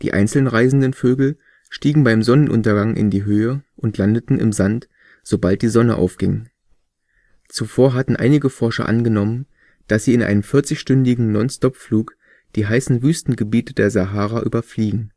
einzeln reisenden Vögel stiegen beim Sonnenuntergang in die Höhe und landeten im Sand, sobald die Sonne aufging. Zuvor hatten einige Forscher angenommen, dass sie in einem 40-stündigen Nonstop-Flug die heißen Wüstengebiete der Sahara überfliegen